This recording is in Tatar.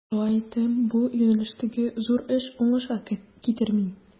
Шулай итеп, бу юнәлештәге зур эш уңышка китерми.